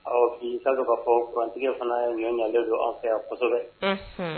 Awɔ bi i k'a k'a dɔn fɔ kurantigɛ fana ɲɔ ɲɛnen don an fɛ yan kosɛbɛ, unhun